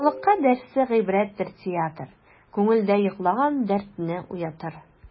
Халыкка дәрсе гыйбрәттер театр, күңелдә йоклаган дәртне уятыр.